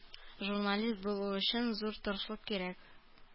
Журналист булу өчен зур тырышлык кирәк.